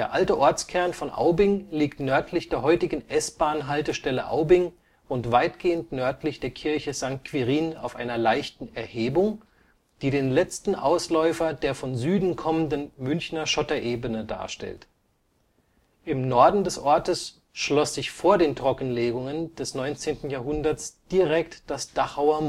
alte Ortskern von Aubing liegt nördlich der heutigen S-Bahn-Haltestelle Aubing und weitgehend nördlich der Kirche St. Quirin auf einer leichten Erhebung, die den letzten Ausläufer der von Süden kommenden Münchner Schotterebene darstellt. Im Norden des Ortes schloss sich vor den Trockenlegungen des 19. Jahrhunderts direkt das Dachauer